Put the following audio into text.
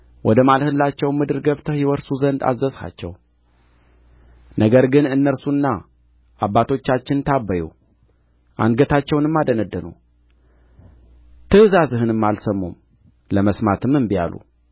ወደ ማልህላቸውም ምድር ገብተው ይወርሱ ዘንድ አዘዝሃቸው ነገር ግን እነርሱና አባቶቻችን ታበዩ አንገታቸውንም አደንደኑ ትእዛዝህንም አልሰሙም ለመስማትም እንቢ አሉ